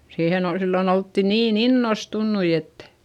siihen oli silloin oltiin niin innostuneita että